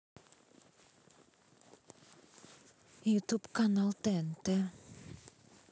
ютуб канал тнт